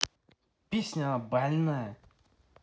песня она больная